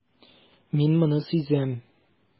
Мин моны сизәм.